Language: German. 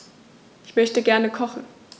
Ich möchte gerne kochen.